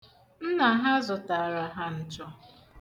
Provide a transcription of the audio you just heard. Nna ha zụtara ha nchọ.